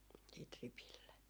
sitten ripille